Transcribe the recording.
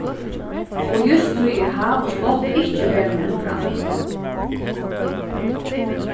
og júst tí er háð og spott ikki vegurin fram